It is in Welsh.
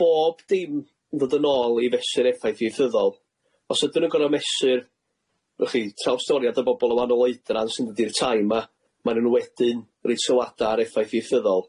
bob dim yn dod yn ôl i fesur effaith ieithyddol os ydyn nw gor'o' mesur w'ch chi trawstoriad o bobol yn wanol oedran sy'n dod i'r tai ma' nw'n wedyn reid sylwada ar effaith ieithyddol.